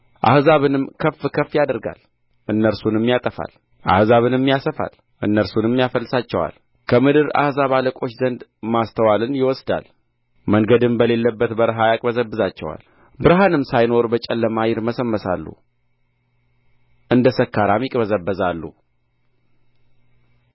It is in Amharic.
አሕዛብን ከፍ ከፍ ያደርጋል እነርሱንም ያጠፋል አሕዛብንም ያሰፋል እነርሱንም ያፈልሳቸዋል ከምድር አሕዛብ አለቆች ዘንድ ማስተዋልን ይወስዳል መንገድም በሌለበት በረሃ ያቅበዘብዛቸዋል ብርሃንም ሳይኖር በጨለማ ይርመሰመሳሉ እንደ ሰካራም ይቅበዘበዛሉ